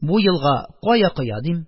Бу елга кая коя, дим.